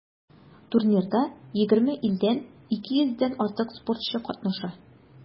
Турнирда 20 илдән 200 дән артык спортчы катнаша.